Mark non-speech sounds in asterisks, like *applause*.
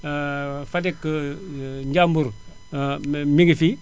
*hesitation* Fadeg *hesitation* Njambur *hesitation* mi ngi fi